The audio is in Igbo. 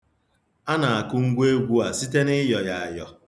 A na-akụ ngwa egwu a site n'ịyọ ya ayọ.